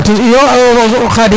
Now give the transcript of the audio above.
iyo Khadim